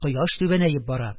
Кояш түбәнәеп бара.